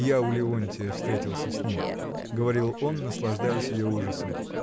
— Я у Леонтия встретился с ним, — говорил он, наслаждаясь ее ужасом.